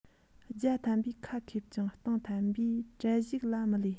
བརྒྱ ཐམ པའི ཁ ཁེབས ཀྱང སྟོང ཐམ པའི གྲལ གཞུག ལ མི ལུས